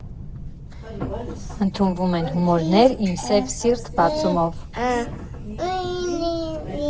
Ընդունվում են հումորներ «Իմ սև սիրտ…» բացումով։